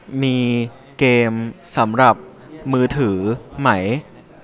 มีเกมสำหรับมือถือไหม